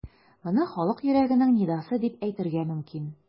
Моны халык йөрәгенең нидасы дип әйтергә мөмкин.